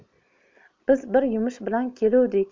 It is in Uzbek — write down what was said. biz bir yumush bilan keluvdik